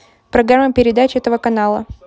программа передач этого канала